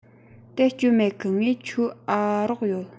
དེ སྐྱོན མེད གི ངས ཁྱོད འ རོགས ཡེད